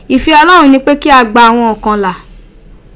Ife Olorun nip e ki a gba awon okan la.